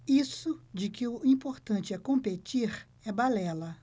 isso de que o importante é competir é balela